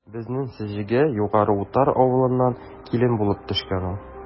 Безнең Сеҗегә Югары Утар авылыннан килен булып төшкән ул.